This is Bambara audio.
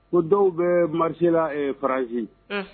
Ko dɔw bɛ marcher la fararanzi, unhun.